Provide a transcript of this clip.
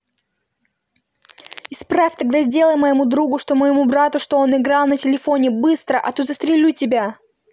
исправь тогда сделай моему другу что моему брату чтобы он играл на телефоне быстро а то застрелю тебя